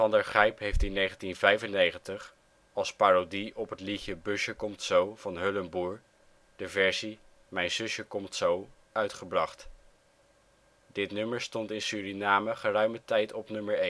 der Gijp heeft in 1995 als parodie op het liedje Busje komt zo van Höllenboer, de versie Mijn zusje komt zo uitgebracht. Dit nummer stond in Suriname geruime tijd op nummer